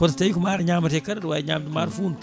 kono so taw ko maaro ñameteko kadi aɗa wawi ñamde funko